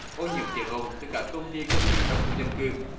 ô nhiễm tiếng ồn từ các công ty cơ khí trong khu dân cư